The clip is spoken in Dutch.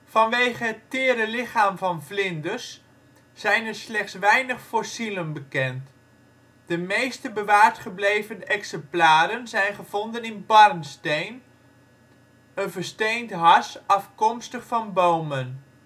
Vanwege het tere lichaam van vlinders, zijn er slechts weinig fossielen bekend. De meeste bewaard gebleven exemplaren zijn gevonden in barnsteen, een versteend hars afkomstig van bomen